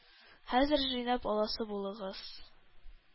-хәзер җыйнап аласы булыгыз!